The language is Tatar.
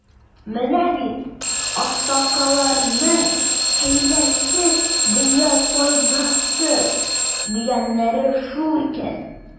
Менә бит, аксакалларның, хәйләсез — дөнья файдасыз, дигәннәре шул икән.